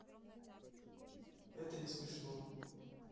это не смешно